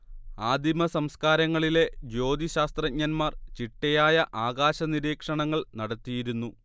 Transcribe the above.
ആദിമസംസ്കാരങ്ങളിലെ ജ്യോതിശ്ശാസ്ത്രജ്ഞന്മാർ ചിട്ടയായ ആകാശനിരീക്ഷണങ്ങൾ നടത്തിയിരുന്നു